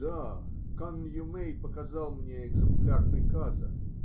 Да. Канн-Юмей показал мне экземпляр приказа.